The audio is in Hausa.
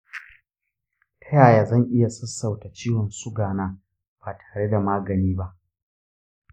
ta yaya zan iya sassauta ciwon suga na ba tare da magani ba?